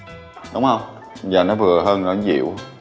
đúng hông giờ nó vừa hơn nó dịu